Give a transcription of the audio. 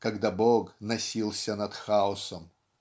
когда Бог носился над хаосом".